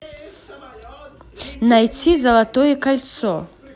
найти золотое кольцо